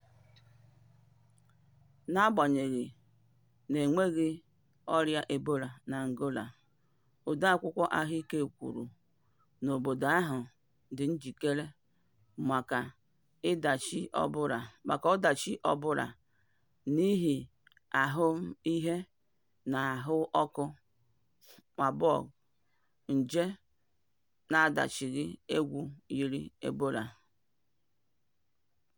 N'agbanyeghị na e nweghị ọrịa Ebola n'Angola, odeakwụkwọ ahụike kwuru na obodo ahụ dị njikere maka ọdachi ọbụla n'ihi ahụmihe ya n'ahụọkụ Marburg, nje na-adịchaghị egwù yiri ebola.